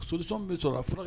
Solisɔn bɛ sɔrɔ a